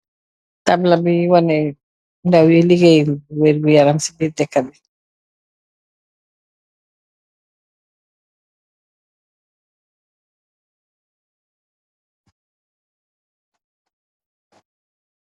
Tabla bi waneh ndaw yi ligeey wer gu yaram ci biir dekka bi.